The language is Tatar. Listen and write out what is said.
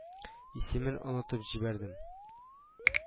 Исемен онытып җибәрдем